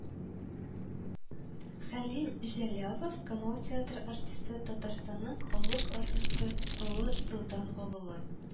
Хәлим Җәлалов – Камал театры артисты, Татарстанның халык артисты (Олы Солтан авылы)